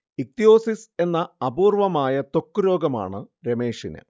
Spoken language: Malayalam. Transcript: ഇക്തിയോസിസ് എന്ന അപൂർവമായ ത്വക്ക് രോഗമാണ് രമേഷിന്